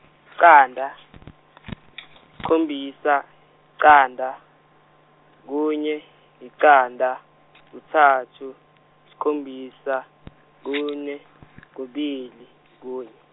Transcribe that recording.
qanda, isikhombisa, yiqanda, kunye, iqanda, kuthathu, isikhombisa, kune, kubili, kunye.